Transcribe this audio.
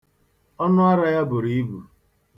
Ọnụara ya buru ibu.